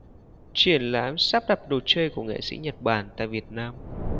triển lãm sắp đặt đồ chơi của nghệ sỹ nhật bản tại việt nam